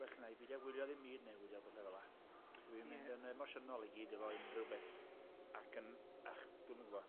Well genai beidio gwylio ddim byd newydd fel bethe fela, dwi'n mynd yn emosiynol i gyd efo unrhyw beth, ac yn, ych, dwi'm yn gwbod.